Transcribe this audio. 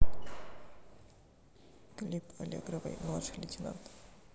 клип аллегровой младший лейтенант